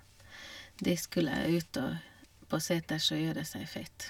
De skulle ut og på seters og gjøre seg fet.